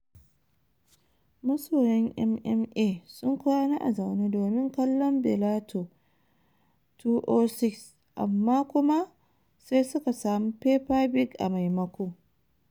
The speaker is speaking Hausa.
Masoyan MMA sun kwana a zaune domin kallon Bellator 206, amma kuma sai suka samu Peppa Pig a maimako